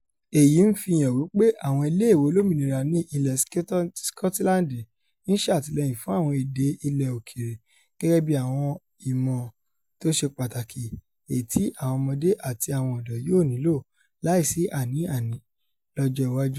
Èyì ńfihàn wí pé àwọn ilé ìwé olómìnira ní ilẹ Sikọtilandi ńṣàtílẹ́yìn fún àwọn èdè ilẹ̀ òkèèrè gẹ́gẹ́bí àwọn ìmọ̀ tóṣe pàtàkì èyìtí àwọn ọmọdé àti àwọn ọ̀dọ́ yóò nílò láisì àní-àní lọ́jọ́ iwájú.